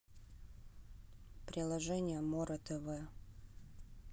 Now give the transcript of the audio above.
приложение море тв